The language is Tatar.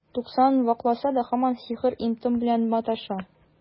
Туксанын вакласа да, һаман сихер, им-том белән маташа.